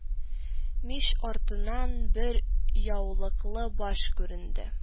Мич артыннан бер яулыклы баш күренде